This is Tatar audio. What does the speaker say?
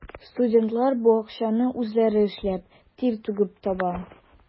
Студентлар бу акчаны үзләре эшләп, тир түгеп таба.